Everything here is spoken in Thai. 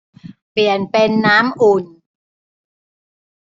เปลี่ยนเป็นน้ำอุ่น